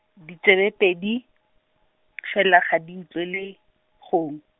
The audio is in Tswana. ditsebe pedi, fela ga di utlwele, gong-.